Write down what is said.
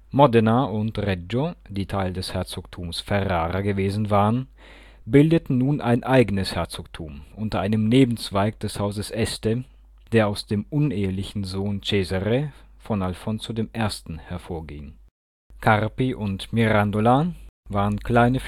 Modena und Reggio, die Teil des Herzogtums Ferrara gewesen waren, bildeten nun ein eigenes Herzogtum unter einem Nebenzweig des Hauses Este, der aus dem unehelichen Sohn Cesare von Alfonso I. hervorging. Carpi und Mirandola waren kleine